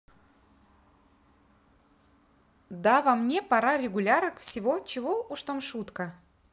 да во мне пора регулярок всего чего уж там шутка